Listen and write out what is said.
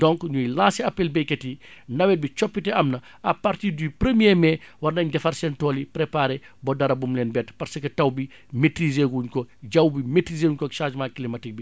donc ñuy lancer appel baykat yi nawet bi coppite am na à partir du premier mai war nañu defar seen tool yi préparer ba dara bum leen bett parce que taw bi maitriser wuñ ko jaww bi maitriser wuñ koog changement climatique bi